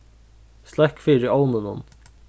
sløkk fyri ovninum